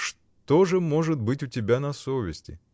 — Что же может быть у тебя на совести?